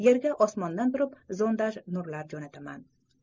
yerga osmondan turib zondaj nurlar jo'nataman